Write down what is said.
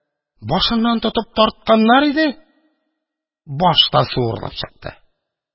Башыннан тотып тартканнар иде — баш та суырылып чыкты.